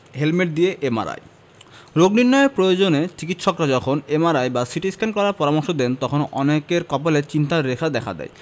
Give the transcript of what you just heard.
helmet দিয়ে MRI রোগ নির্নয়ের প্রয়োজনে চিকিত্সকরা যখন এমআরআই বা সিটিস্ক্যান করার পরামর্শ দেন তখন অনেকের কপালে চিন্তার রেখা দেখা দেয়